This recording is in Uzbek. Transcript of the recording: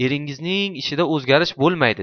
eringizning ishida o'zgarish bo'lmaydi